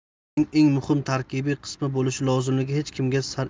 uning eng muhim tarkibiy qismi bo'lishi lozimligi hech kimga sir emas